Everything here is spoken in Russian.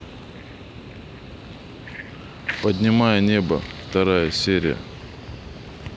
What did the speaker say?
поднимая небо вторая серия